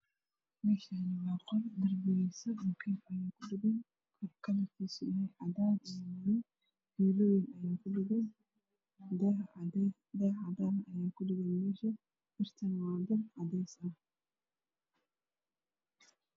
Meeshaani waa qol kalarkisa cadaan madow daaha cadaan birtana waa cadays